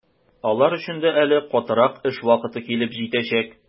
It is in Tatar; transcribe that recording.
Алар өчен дә әле катырак эш вакыты килеп җитәчәк.